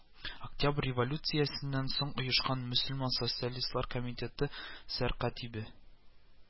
Октябрь революциясеннән соң оешкан Мөселман социалистлар комитеты сәркатибе